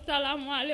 Sa